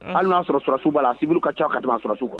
Hali y'a sɔrɔrasiw b'a siuru ka ca ka tɛmɛ sɔrɔrasiw kuwa